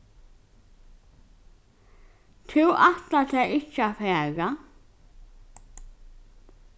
tú ætlar tær ikki at fara